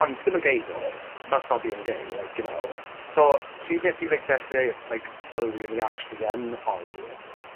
ond ti ddim yn gay tho that's not being gay like you know. So, pryd nes i like dechre yy like sylwi o'n i actually yn hoyw